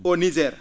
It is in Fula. au Niger